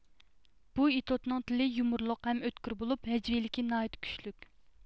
بۇ ئېتوتنىڭ تىلى يۇمۇرلۇق ھەم ئۆتكۈر بولۇپ ھەجۋىيلىكى ناھايىتى كۈچلۈك